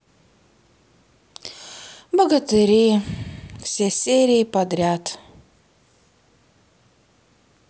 богатыри все серии подряд